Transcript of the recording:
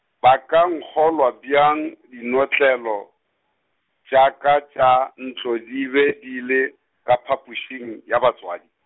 ba ka nkgolwa bjang dinotlelo, tša ka tša ntlo di be di le, ka phapošing, ya batswadi.